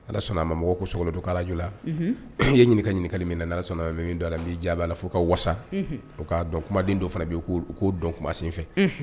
Ala sɔnna a ma mɔgɔ ko sogo don kalajla e ye ɲininkaka ɲininka min na ala sɔnna a min'i jaabi b'a la fo ka wasa o ka dɔn kumaden dɔ fana b bɛ u k'o dɔn kuma senfɛ